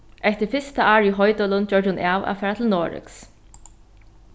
eftir fyrsta árið í hoydølum gjørdi hon av at fara til noregs